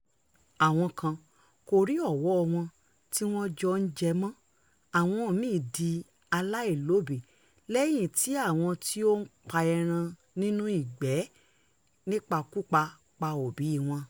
Àwọn kan kò rí ọ̀wọ́ọ wọn tí wọ́n jọ ń jẹ̀ mọ́, àwọn mìíì di aláìlóbìíi lẹ́yìn tí àwọn tí ó ń pa ẹran nínú ìgbẹ́ nípakúpa pa òbíi wọn.